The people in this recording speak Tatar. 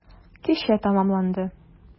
Кичә тәмамланды.